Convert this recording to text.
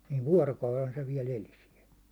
niin vuorokauden se vielä eli siellä